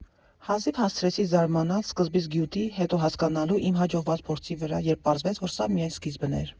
Հազիվ հասցրեցի զարմանալ, սկզբից՝ գյուտի, հետո՝ հասկանալու իմ հաջողված փորձի վրա, երբ պարզվեց, որ սա միայն սկիզբն էր։